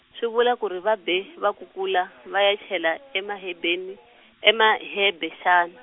swi vula ku ri va be, va kukula va ya chela e Mahebe ni, e Mahebe xana.